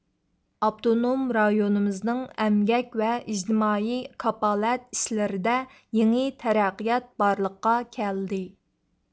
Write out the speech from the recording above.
ئاپتونوم رايونىمىزنىڭ ئەمگەك ۋە ئىجتىمائىي كاپالەت ئىشلىرىدا يېڭى تەرەققىيات بارلىققا كەلدى